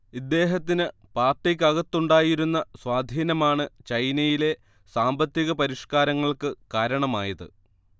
ഇദ്ദേഹത്തിന് പാർട്ടിക്കകത്തുണ്ടായിരുന്ന സ്വാധീനമാണ്ചൈനയിലെ സാമ്പത്തിക പരിഷ്കാരങ്ങൾക്ക് കാരണമായത്